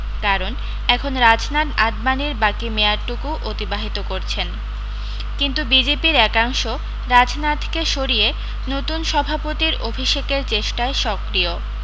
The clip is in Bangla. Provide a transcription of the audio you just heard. কারণ এখন রাজনাথ আডবাণীর বাকী মেয়াদটুকু অতিবাহিত করছেন কিন্তু বিজেপির একাংশ রাজনাথকে সরিয়ে নতুন সভাপতীর অভিষেকের চেষ্টায় সক্রিয়